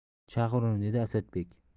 chaqir uni dedi asadbek